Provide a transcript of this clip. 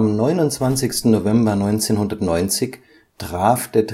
29. November 1990 traf der